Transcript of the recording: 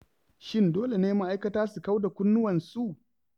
Shin dole ne ma'aikata su kauda kunnuwansu?